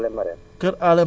waaw kër Allé Marème